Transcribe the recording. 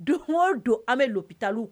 Don o don an be hôpitaux